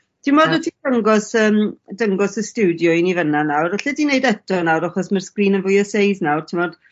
T'mod o't ti dangos yym dangos y stiwdio i ni fynna nawr elli di neud e eto nawr achos ma'r sgrin yn fwy o seis nawr t'mod?